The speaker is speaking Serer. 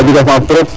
a jega sens trop